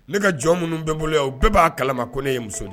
Ne ka jɔn minnu bɛ n bolo yan, o bɛɛ b'a kalama ko ne ye muso ye.